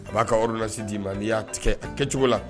A b'a ka yɔrɔ lasi d'i ma n y'a tigɛ kɛcogo la